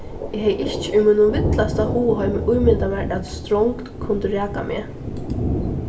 eg hevði ikki í mínum villasta hugaheimi ímyndað mær at strongd kundi raka meg